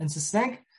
Yn Sysneg.